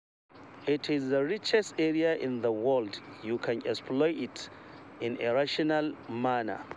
It’s the richest area in the world. You can exploit it in a rational manner.